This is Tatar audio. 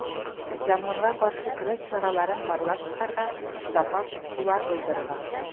Янгынга каршы көрәш чараларын барлап чыгарга, запас сулар булдырырга.